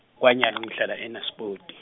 kwanyalo ngihlala eNaspoti.